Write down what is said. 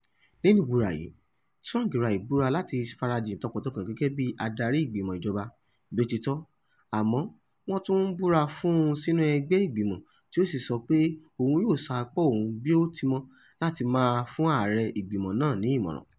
Nínú ìbúra yìí, Tsvangirai búra láti farajìn tọkàn-tọkàn gẹ́gẹ́ bi Adarí Ìgbìmọ Ìjọba, bí ó ti tọ́, àmọ́ wọ́n tún búra fún sínu ẹgbẹ́ ìgbìmọ̀ tí ó sì sọ pé òun yóò sa ipá ohun bí ó ti mọ́ láti máa fún aàrẹ ìgbìmọ náà ní ìmọ̀ràn.